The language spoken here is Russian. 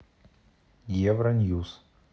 евро ньюз